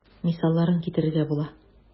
Мисалларын китерергә була.